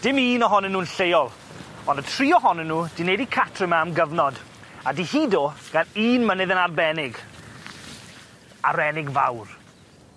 Dim un ohonyn nw'n lleol, on' y tri ohonyn nw, 'di neud 'u catre 'ma am gyfnod, a 'di hudo gan un mynydd yn arbennig, Arennig Fawr.